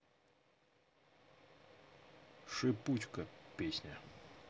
шипучка песня